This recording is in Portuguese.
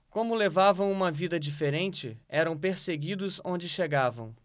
como levavam uma vida diferente eram perseguidos onde chegavam